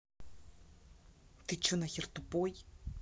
ты че нахер тупой